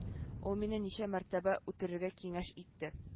Ул мине ничә мәртәбә үтерергә киңәш итте